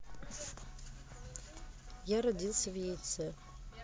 я родился в яйце